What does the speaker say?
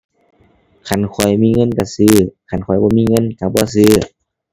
คันข้อยมีเงินก็ซื้อ คันข้อยบ่มีเงินก็บ่ซื้อ